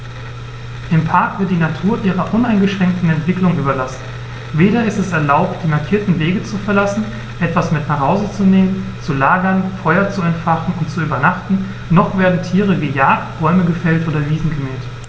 Im Park wird die Natur ihrer uneingeschränkten Entwicklung überlassen; weder ist es erlaubt, die markierten Wege zu verlassen, etwas mit nach Hause zu nehmen, zu lagern, Feuer zu entfachen und zu übernachten, noch werden Tiere gejagt, Bäume gefällt oder Wiesen gemäht.